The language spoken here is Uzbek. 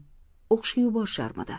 o'qishga yuborisharmidi